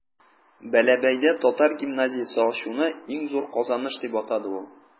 Бәләбәйдә татар гимназиясе ачуны иң зур казаныш дип атады ул.